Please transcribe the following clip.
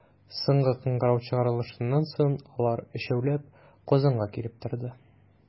Соңгы кыңгырау чыгарылышыннан соң, алар, өчәүләп, Казанга килеп торды.